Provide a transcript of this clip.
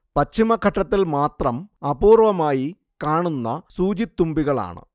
പശ്ചിമഘട്ടത്തിൽ മാത്രം അപൂർവ്വമായി കാണുന്ന സൂചിത്തുമ്പികളാണ്